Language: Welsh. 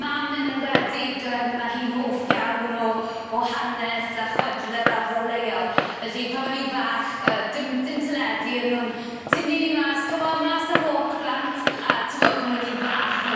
Mam yn enwedig yy ma' hi'n hoff iawn o o hanes a chwedle'r ardal leol felly pan o'n i'n fach yy dim dim teledu o'n nw'n tynnu ni mas come on mas am walk plant a t'mo' pan o'n i'n fach o-